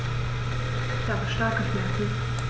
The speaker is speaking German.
Ich habe starke Schmerzen.